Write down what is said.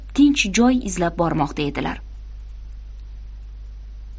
tinch joy izlab bormoqda edilar